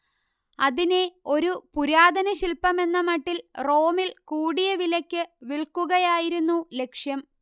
അതിനെ ഒരു പുരാതനശില്പമെന്നമട്ടിൽ റോമിൽ കൂടിയ വിലക്ക് വിൽക്കുകയായിരുന്നു ലക്ഷ്യം